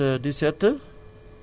77